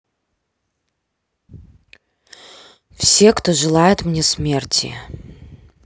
все кто желает мне смерти